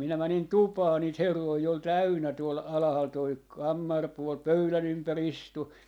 minä menin tupaan niitä herroja oli täynnä tuolla alhaalla tuo kammaripuoli pöydän ympäri istui